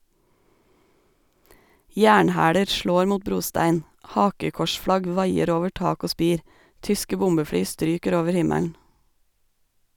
Jernhæler slår mot brostein , hakekorsflagg vaier over tak og spir, tyske bombefly stryker over himmelen.